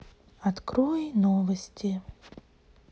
открой новости